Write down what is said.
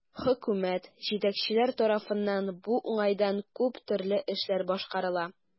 Хөкүмәт, җитәкчеләр тарафыннан бу уңайдан күп төрле эшләр башкарыла.